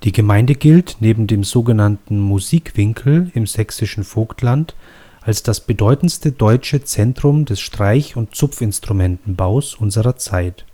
Gemeinde gilt, neben dem sogenannten Musikwinkel im sächsischen Vogtland, als das bedeutendste deutsche Zentrum des Streich - und Zupfinstrumentenbaus unserer Zeit